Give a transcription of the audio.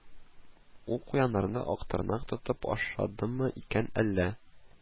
Ул куяннарны Актырнак тотып ашадымы икән әллә